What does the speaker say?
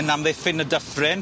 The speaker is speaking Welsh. Yn amddiffyn y dyffryn.